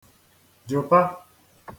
jụ̀ta